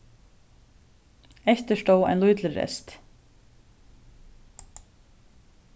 eftir stóð ein lítil rest